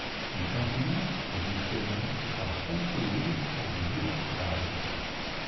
em campinas nos inspiramos para concluir as mil frases